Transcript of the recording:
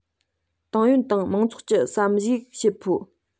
ཏང ཡོན དང མང ཚོགས ཀྱིས བསམ གཞིགས བྱེད ཕོད